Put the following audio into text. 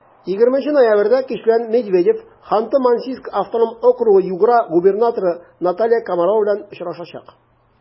20 ноябрьдә кич белән медведев ханты-мансийск автоном округы-югра губернаторы наталья комарова белән очрашачак.